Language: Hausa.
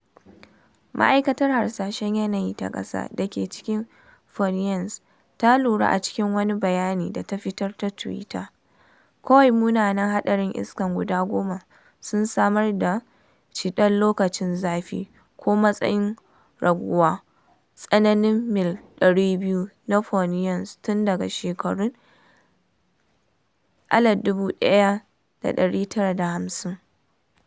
Ma’aikatar Hasashen Yanayi ta Ƙasa da ke cikin Phoenix ta lura a cikin wani bayani da ta fitar ta Twitter kawai “Munanan haɗarin iska guda goma sun samar da cidar lokacin zafi ko matsayin raguwa tsakanin mil 200 na Phoenix tun daga shekarun 1950!